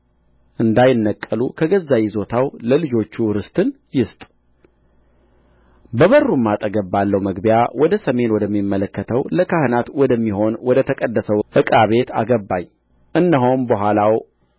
እንዳይነቀሉ ከገዛ ይዞታው ለልጆች ርስትን ይስጥ በበሩም አጠገብ ባለው መግቢያ ወደ ሰሜን ወደሚመለከተው ለካህናት ወደሚሆን ወደ ተቀደሰው ዕቃ ቤት አገባኝ እነሆም በኋላው